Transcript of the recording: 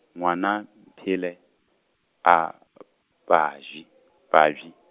ngwana, Mphele, a , baji, baji.